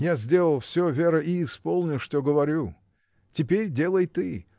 Я сделал всё, Вера, и исполню, что говорю. Теперь делай ты.